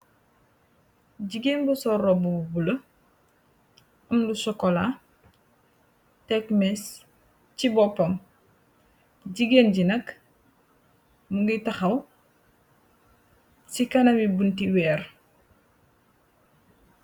Gigeen bu sol róbbu bu bula am lu sokola, tèg més ci bópam, gigeen gi nak mu ngi taxaw ci kanami buntti wér.